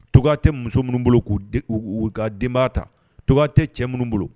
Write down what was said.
Togoya te muso munun bolo ka denbaha ta. Toga ya tɛ cɛ munun bolo.